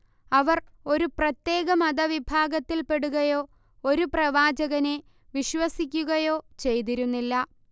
അവർ ഒരു പ്രത്യേക മതവിഭാഗത്തിൽപ്പെടുകയോ ഒരു പ്രവാചകനെ വിശ്വസിക്കുകയോ ചെയ്തിരുന്നില്ല